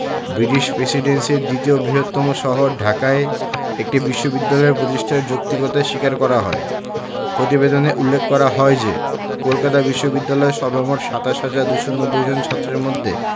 British প্রেসিডেন্সির দ্বিতীয় বৃহত্তম শহর ঢাকায় একটি বিশ্ববিদ্যালয় প্রতিষ্ঠার যৌক্তিকতা স্বীকার করা হয় প্রতিবেদনে উল্লেখ করা হয় যে কলকাতা বিশ্ববিদ্যালয়ের সর্বমোট ২৭ হাজার ২৯০ জন ছাত্রের মধ্যে